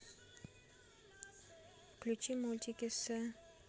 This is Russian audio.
включи мультики с